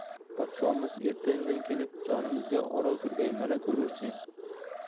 podshomiz erta indin kelib jonimizga oro kirgay mana ko'rursen